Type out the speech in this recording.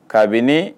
Kabini